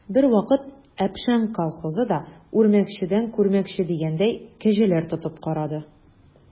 Бервакыт «Әпшән» колхозы да, үрмәкчедән күрмәкче дигәндәй, кәҗәләр тотып карады.